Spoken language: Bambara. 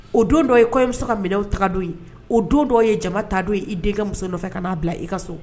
O don dɔw ye kɔ in so ka minɛnw taga don ye o don dɔw ye jama ta don ye i denkɛ muso nɔfɛ ka n'a bila i ka so